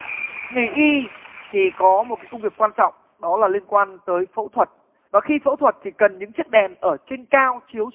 nghề y thì có một cái công việc quan trọng đó là liên quan tới phẫu thuật và khi phẫu thuật chỉ cần những chiếc đèn ở trên cao chiếu